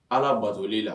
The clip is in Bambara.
Ala batoli la